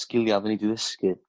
sgilia odda ni 'di ddysgu